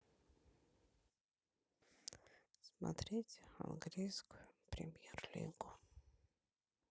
смотреть английскую премьер лигу